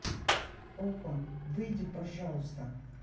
okko выйди пожалуйста